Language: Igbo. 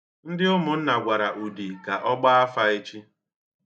Ndị ụmụnna gwara Udi ka ọ gbaa afa echi.